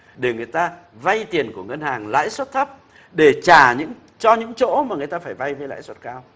để người ta vay tiền của ngân hàng lãi suất thấp để trả những cho những chỗ mà người ta phải vay với lãi suất cao